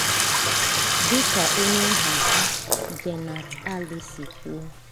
Dị ka onye nhazi Jannat Ali si kwuo: